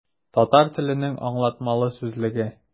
Татар теленең аңлатмалы сүзлеге.